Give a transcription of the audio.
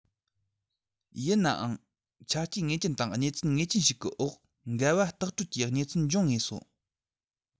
ཡིན ནའང ཆ རྐྱེན ངེས ཅན དང གནས ཚུལ ངེས ཅན ཞིག གི འོག འགལ བ ལྟག སྤྲོད ཀྱི གནས ཚུལ འབྱུང ངེས སོ